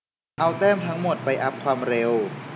เอาแต้มทั้งหมดไปอัพความเร็ว